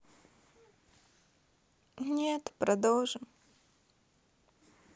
нет продолжим